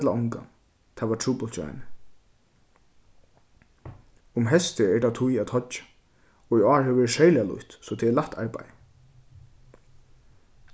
ella ongan tað var trupult hjá henni um heystið er tað tíð at hoyggja í ár hevur verið serliga lýtt so tað er lætt arbeiði